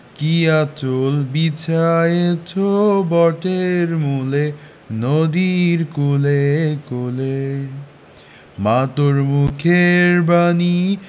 কী আঁচল বিছায়েছ বটের মূলে নদীর কূলে কূলে মা তোর মুখের বাণী